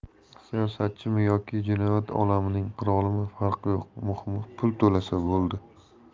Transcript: siyosatchimi yoki jinoyat olamining qirolimi farqi yo'q muhimi pul to'lasa bo'ldi